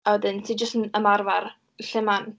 A wedyn ti jyst yn ymarfer lle ma'n...